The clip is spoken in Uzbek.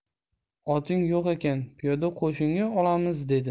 oting yo'q ekan piyoda qo'shinga olamiz dedi